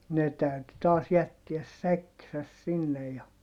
ne täytyi taas jättää säkkinsä sinne ja